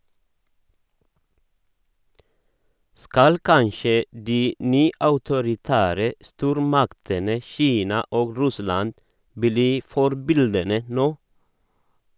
Skal kanskje de nyautoritære stormaktene Kina og Russland bli forbildene nå?